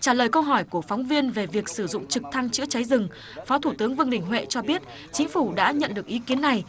trả lời câu hỏi của phóng viên về việc sử dụng trực thăng chữa cháy rừng phó thủ tướng vương đình huệ cho biết chính phủ đã nhận được ý kiến này